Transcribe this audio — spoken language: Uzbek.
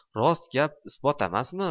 rost gap isbotamasmi